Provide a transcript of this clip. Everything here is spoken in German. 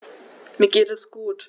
Mir geht es gut.